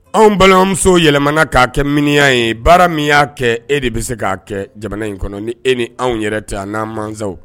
Anw balimamuso yɛlɛmana k'a kɛ miniya ye baara min y'a kɛ e de bɛ se k'a kɛ jamana in kɔnɔ ni e ni anw yɛrɛ ta yan an n'a mɔnw